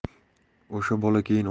o'sha bola keyin